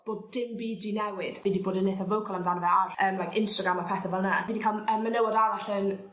bod dim byd 'di newid fi 'di bod yn itha vocal amdano fe ar yym like Instagram a pethe fel 'na fi 'di ca'l m- yy menywod arall yn